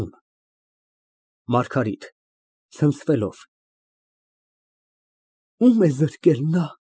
ՄԱՐԳԱՐԻՏ ֊ (Ցնցվելով) Ո՞ւմ է զրկել նա։